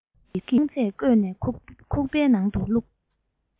མིག གིས མཐོང ཚད བརྐོས ནས ཁུག མའི ནང དུ བླུགས